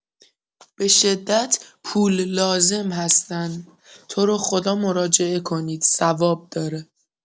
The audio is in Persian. به‌شدت پول لازم هستن تروخدا مراجعه کنید ثواب داره